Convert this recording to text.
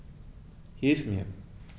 Hilf mir!